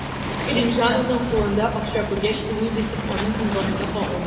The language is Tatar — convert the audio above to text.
Галимҗановның кулында акча күргәч, ул үз итеп аның иңбашына кагылды.